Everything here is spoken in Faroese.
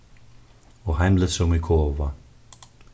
og heimligt sum í kova